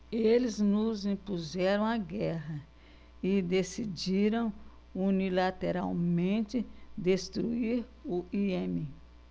eles nos impuseram a guerra e decidiram unilateralmente destruir o iêmen